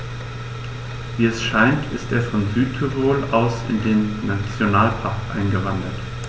Wie es scheint, ist er von Südtirol aus in den Nationalpark eingewandert.